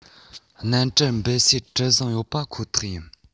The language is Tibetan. གནམ གྲུ འབབ སའི གྲུ གཟིངས ཡོད པ ཁོ ཐག ཡིན